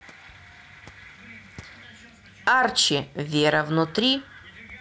archi вера внутри